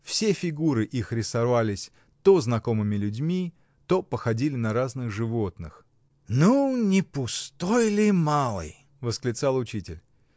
все фигуры их рисовались то знакомыми людьми, то походили на разных животных. — Ну не пустой ли малый! — восклицал учитель.